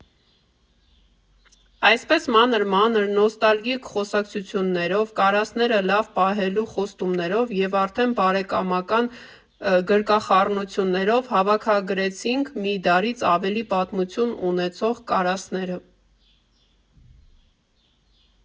Այսպես մանր֊մանր, նոստալգիկ խոսակցություններով, կարասները լավ պահելու խոստումներով և արդեն բարեկամական գրկախառնություններով հավաքագրեցինք մի դարից ավել պատմություն ունեցող կարասները։